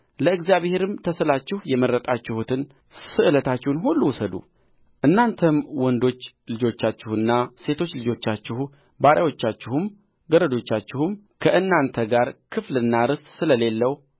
ለእግዚአብሔርም ተስላችሁ የመረጣችሁትን ስእለታችሁን ሁሉ ውሰዱ እናንተም ወንዶች ልጆቻችሁና ሴቶች ልጆቻችሁም ባሪያዎቻችሁም ገረዶቻችሁም ከእናንተ ጋር ክፍልና ርስት ስለሌለው